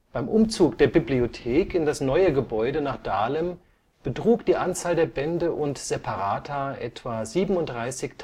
Beim Umzug der Bibliothek in das neue Gebäude nach Dahlem betrug die Anzahl der Bände und Separata etwa 37.000